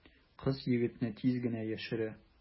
Кыз егетне тиз генә яшерә.